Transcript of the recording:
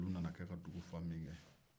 olu na na kɛ ka dugu fa min kɛ